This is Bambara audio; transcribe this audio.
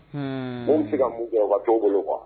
Hum mun bɛ se ka mun kɛ, o ka t'o bolo quoi